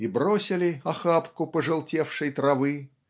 И бросили охапку пожелтевшей травы